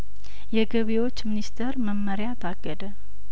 የገቢዎች ሚኒስተር መመሪያታገደ